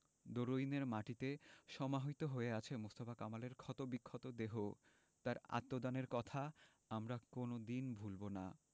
দরুইনের মাটিতে সমাহিত হয়ে আছে মোস্তফা কামালের ক্ষতবিক্ষত দেহ তাঁর আত্মদানের কথা আমরা কোনো দিন ভুলব না